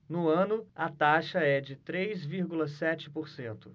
no ano a taxa é de três vírgula sete por cento